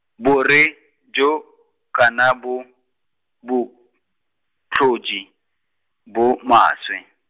bore, jo, kana bo, botlhodi, bo maswe.